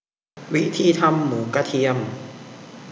วิธีทำหมูกระเทียม